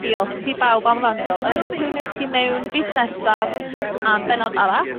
Diolch i bawb am wrando yym tiwniwch i mewn fis nesaf am bennod arall